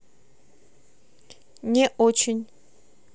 не очень